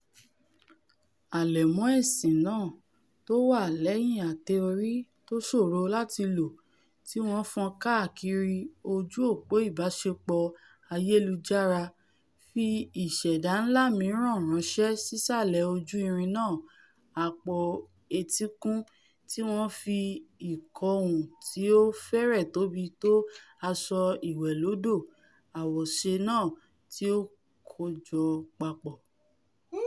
Àlẹ̀mọ́ ẹ̀ṣìn náà tówà lẹ́yìn ate-ori tóṣòro láti lò tíwọ́n fọ́n káàkiri ojú-òpò ìbáṣepọ̀ ayelujara fi ìṣẹ̀dá ńlá mìíràn rańṣẹ́ sísàlẹ̀ ojú ìrìn náá - àpò etíkun tíwọ́n fi ìko hun tí ó fẹ́rẹ̀ tóbi tó asọ ìwẹ̀lódò àwòṣe náà tí ó kó o jọ papọ̀.